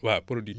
waaw produits